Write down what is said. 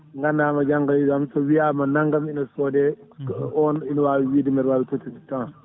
gandamo janggo e jaam so wiyama naggam ene soode ko on ene wawi wide tant